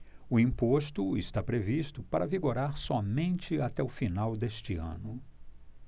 o imposto está previsto para vigorar somente até o final deste ano